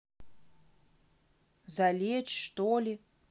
залечь что ли